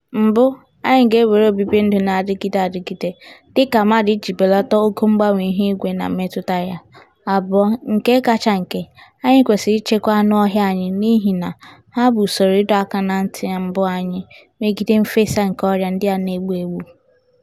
"Mbụ, anyị ga-ewere obibindụ na-adịgide adịgide dịka mmadụ iji belata ogo mgbanwe ihuigwe na mmetụta ya; abụọ, nke kacha nke, anyị kwesịrị ichekwa anụọhịa anyị n'ihina ha bụ usoro ịdọ aka ná ntị mbụ anyị megide mfesa nke ọrịa ndị a na-egbu egbu. "